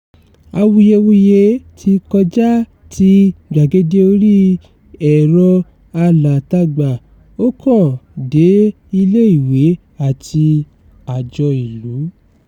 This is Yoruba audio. Awuyewuye ti kọjáa ti gbàgede orí ẹ̀rọ-alátagbà, ó kàn dé ilé-ìwé àti àjọ ìlú.